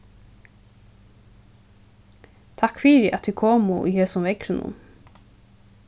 takk fyri at tit komu í hesum veðrinum